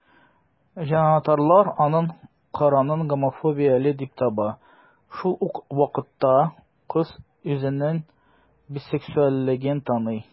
Җанатарлар аның карарын гомофобияле дип таба, шул ук вакытта кыз үзенең бисексуальлеген таный.